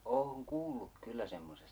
no olen kuullut kyllä semmoisesta